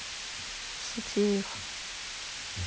сутеев